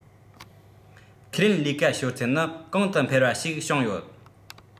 ཁས ལེན ལས ཀ ཤོར ཚད ནི གོང དུ འཕེལ བ ཞིག བྱུང ཡོད